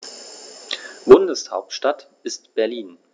Bundeshauptstadt ist Berlin.